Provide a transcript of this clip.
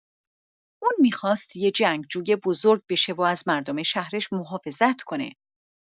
اون می‌خواست یه جنگجوی بزرگ بشه و از مردم شهرش محافظت کنه.